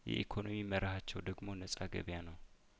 የኤኮኖሚ መርሀቸው ደግሞ ነጻ ገብያ ነው